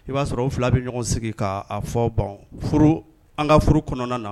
I b'a sɔrɔ o 2 bɛ ɲɔgɔn sigi k'a a fɔ bon an ka furu kɔnɔna na